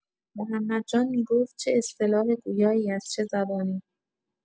محمد جان می‌گفت چه اصطلاح گویایی از چه زبانی